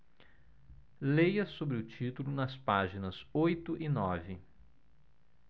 leia sobre o título nas páginas oito e nove